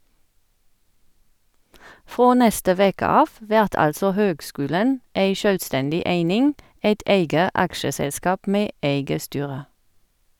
Frå neste veke av vert altså høgskulen ei sjølvstendig eining, eit eige aksjeselskap med eige styre.